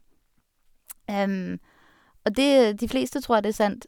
Og det de fleste tror at det er sant.